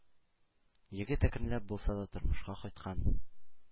Егет әкренләп булса да тормышка кайткан.